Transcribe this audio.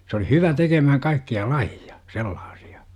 se oli hyvä tekemään kaikkia lajeja sellaisia